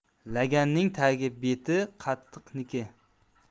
laganning tagi beti qattiqniki